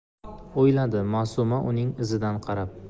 o'yladi ma'suma uning izidan qarab